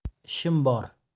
ishim bor